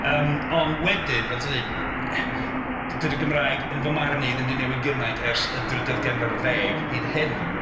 Yym ond wedyn fel ti'n ddeud dydi'r Gymraeg yn fy marn i ddim 'di newid gymaint ers y drydydd ganrif ar ddeg hyd heddiw.